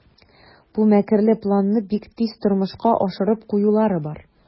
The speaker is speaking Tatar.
Бу мәкерле планны бик тиз тормышка ашырып куюлары бар.